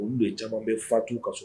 Olu don caman bɛ fatuu ka so